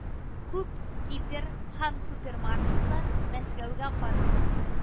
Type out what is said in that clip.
Күп гипер һәм супермаркетлар Мәскәүгә карый